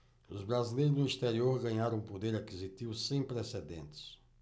os brasileiros no exterior ganharam um poder aquisitivo sem precedentes